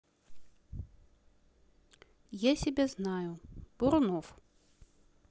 я себя знаю бурунов